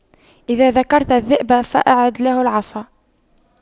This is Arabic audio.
إذا ذكرت الذئب فأعد له العصا